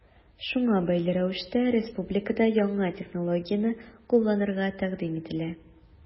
Шуңа бәйле рәвештә республикада яңа технологияне кулланырга тәкъдим ителә.